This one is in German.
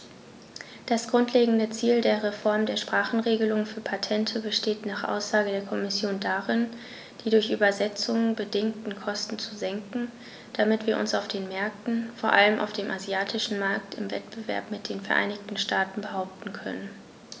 Das grundlegende Ziel der Reform der Sprachenregelung für Patente besteht nach Aussage der Kommission darin, die durch Übersetzungen bedingten Kosten zu senken, damit wir uns auf den Märkten, vor allem auf dem asiatischen Markt, im Wettbewerb mit den Vereinigten Staaten behaupten können.